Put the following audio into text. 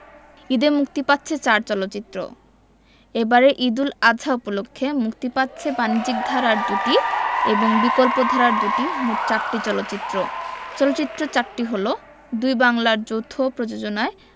ঈদে মুক্তি পাচ্ছে চার চলচ্চিত্র এবারের ঈদ উল আযহা উপলক্ষে মুক্তি পাচ্ছে বাণিজ্যিক ধারার দুটি এবং বিকল্পধারার দুটি মোট চারটি চলচ্চিত্র চলচ্চিত্র চারটি হলো দুই বাংলার যৌথ প্রযোজনায়